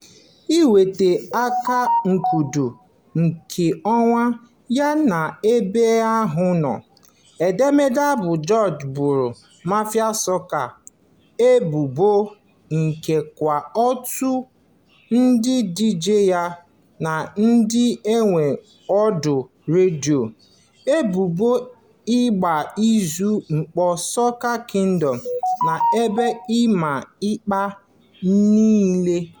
Iweta akankụda nkeonwe ya n'ebe ọha nọ, edemede abụ George boro "mafia sọka" ebubo — ikekwa òtù ndị diijee na ndị nwe ọdọ redio — ebubo ịgba izu ịkpọ "Soca Kingdom" n'ebe ịma ikpe niile.